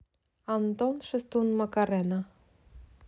антон шестун макарена